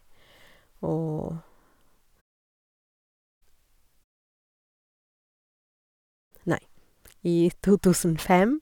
Og nei i to tusen fem.